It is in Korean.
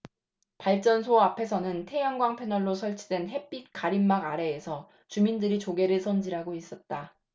발전소 앞에서는 태양광 패널로 설치된 햇빛 가림막 아래에서 주민들이 조개를 손질하고 있었다